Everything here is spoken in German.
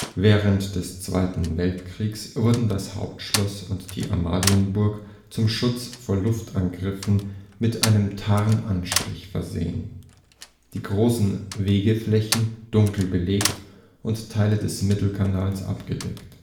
Während des Zweiten Weltkriegs wurden das Hauptschloss und die Amalienburg zum Schutz vor Luftangriffen mit einem Tarnanstrich versehen, die großen Wegeflächen dunkel belegt und Teile des Mittelkanals abgedeckt